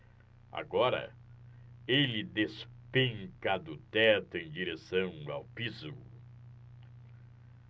agora ele despenca do teto em direção ao piso